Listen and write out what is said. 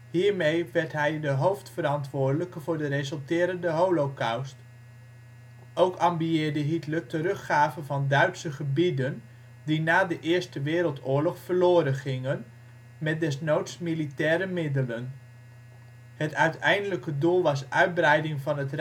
Hiermee werd hij de hoofdverantwoordelijke voor de resulterende Holocaust. Ook ambieerde Hitler teruggave van Duitse gebieden die na de Eerste Wereldoorlog verloren gingen, met desnoods militaire middelen. Het uiteindelijke doel was uitbreiding van het